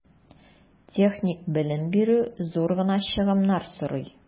Техник белем бирү зур гына чыгымнар сорый.